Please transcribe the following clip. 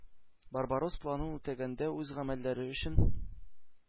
“барбаросс” планын үтәгәндә үз гамәлләре өчен